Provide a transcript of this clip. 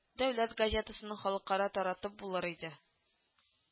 Дәүләт газетасын халыкка таратып булыр иде